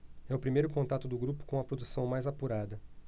é o primeiro contato do grupo com uma produção mais apurada